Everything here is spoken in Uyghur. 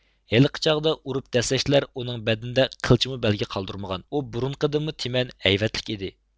ھېلىقى چاغدا ئۇرۇپ دەسسەشلەر ئۇنىڭ بەدىنىدە قىلچىمۇ بەلگە قالدۇرمىغان ئۇ بۇرۇنقىدىنمۇ تىمەن ھەيۋەتلىك ئىدى